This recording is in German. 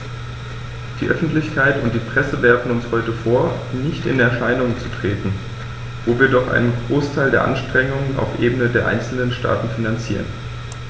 Die Öffentlichkeit und die Presse werfen uns heute vor, nicht in Erscheinung zu treten, wo wir doch einen Großteil der Anstrengungen auf Ebene der einzelnen Staaten finanzieren.